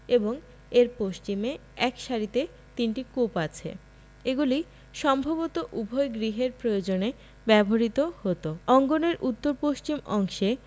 এবং এর পশ্চিমে এক সারিতে তিনটি কূপ আছে এগুলি সম্ভবত উভয় গৃহের প্রয়োজনে ব্যবহূত হতো অঙ্গনের উত্তর পশ্চিম অংশে